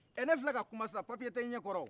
ɛ ne filɛ ka kuma sisan papiye tɛ n ɲɛ kɔrɔ